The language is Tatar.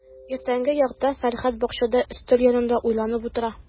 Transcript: Иртәнге якта Фәрхәт бакчада өстәл янында уйланып утыра.